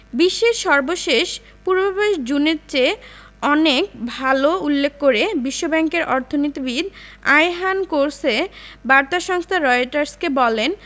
বিশ্বের সর্বশেষ পূর্বাভাস জুনের চেয়ে অনেক ভালো উল্লেখ করে বিশ্বব্যাংকের অর্থনীতিবিদ আয়হান কোসে বার্তা সংস্থা রয়টার্সকে বলেন